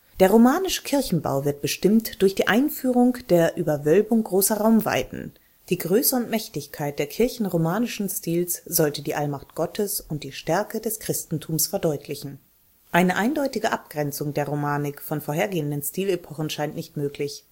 Der romanische Kirchenbau wird bestimmt durch die Einführung der Überwölbung großer Raumweiten. Die Größe und Mächtigkeit der Kirchen romanischen Stils sollte die Allmacht Gottes und die Stärke des Christentums verdeutlichen. Eine eindeutige Abgrenzung der Romanik von vorhergehenden Stilepochen scheint nicht möglich